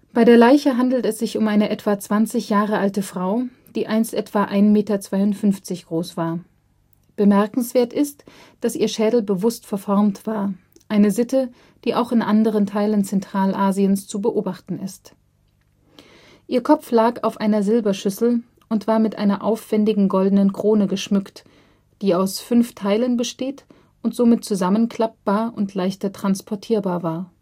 Bei der Leiche handelt es sich um eine etwa 20 Jahre alte Frau, die einst etwa 1,52 m groß war. Bemerkenswert ist, dass ihr Schädel bewusst verformt war, eine Sitte, die auch in anderen Teilen Zentralasiens zu beobachten ist. Ihr Kopf lag auf einer Silberschüssel und war mit einer aufwändigen goldenen Krone geschmückt, die aus fünf Teilen besteht und somit zusammenklappbar und leichter transportierbar war